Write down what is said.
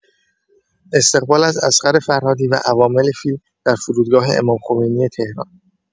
استقبال از اصغر فرهادی و عوامل فیلم در فرودگاه امام‌خمینی تهران